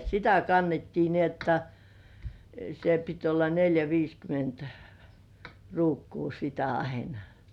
että sitä kannettiin niin jotta se piti olla neljä viisikymmentä ruukkua sitä aina